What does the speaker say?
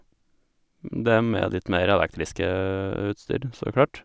Det er med litt mer elektriske utstyr, så klart.